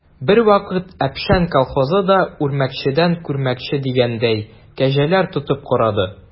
Бервакыт «Әпшән» колхозы да, үрмәкчедән күрмәкче дигәндәй, кәҗәләр тотып карады.